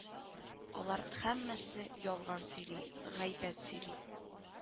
— алар һәммәсе ялган сөйли, гайбәт сөйли